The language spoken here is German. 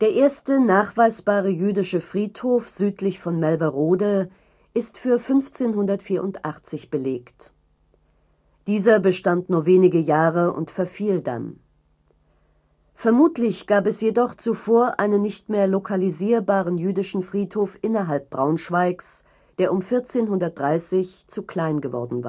erste nachweisbare jüdische Friedhof südlich von Melverode ist für 1584 belegt. Dieser bestand nur wenige Jahre und verfiel dann. Vermutlich gab es jedoch zuvor einen nicht mehr lokalisierbaren jüdischen Friedhof innerhalb Braunschweigs, der um 1430 zu klein geworden war